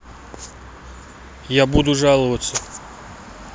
я буду жаловаться